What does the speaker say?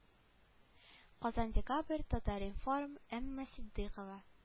Казан декабрь татар-информ эмма ситдыйкова